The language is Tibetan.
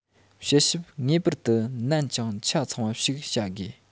དཔྱད ཞིབ ངེས པར དུ ནན ཅིང ཆ ཚང བ ཞིག བྱ དགོས